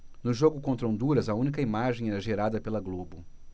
no jogo contra honduras a única imagem era gerada pela globo